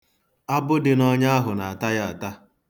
Abụ dị n'ọnya ahụ na-ata ya ata.